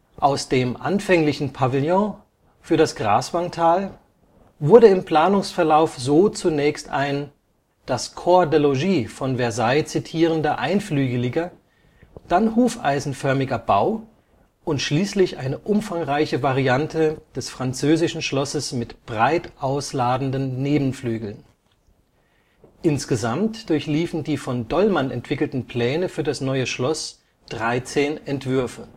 Aus dem anfänglichen Pavillon für das Graswangtal wurde im Planungsverlauf so zunächst ein das Corps de Logis von Versailles zitierender einflügeliger, dann hufeisenförmiger Bau und schließlich eine umfangreiche Variante des französischen Schlosses mit breit ausladenden Nebenflügeln. Insgesamt durchliefen die von Dollmann entwickelten Pläne für das neue Schloss 13 Entwürfe